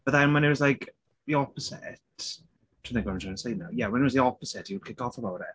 But then when it was like the opposite... Trying to think what I was trying to say now yeah when it was the opposite he would kick off about it.